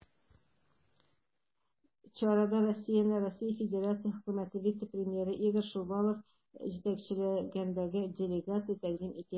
Чарада Россияне РФ Хөкүмәте вице-премьеры Игорь Шувалов җитәкчелегендәге делегация тәкъдим итә.